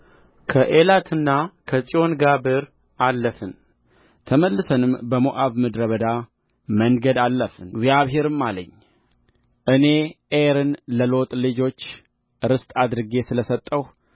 ከኤላትና ከዔጽዮንጋብር አለፍን ተመልሰንም በሞዓብ ምድረ በዳ መንገድ አለፍንእግዚአብሔርም አለኝ እኔ ዔርን ለሎጥ ልጆች ርስት አድርጌ ስለ ሰጠሁ